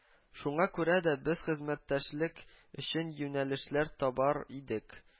Ңа күрә дә без хезмәттәшлек өчен юнәлешләр табар идек, -